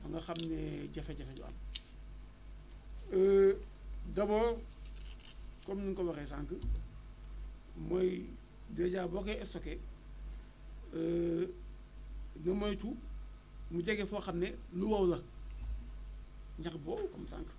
ba nga xam ne jafe-jafe du am d' abord comme ni nga ko waxee sànq mooy dèjà boo koy stocké nga moytu mu jege foo xam ne lu wow la ñax bu wow comme sànq